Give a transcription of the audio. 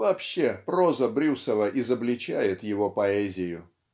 Вообще, проза Брюсова изобличает его поэзию.